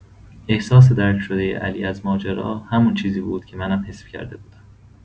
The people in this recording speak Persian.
احساس درک‌شدۀ علی از ماجرا همون چیزی بود که منم حس کرده بودم.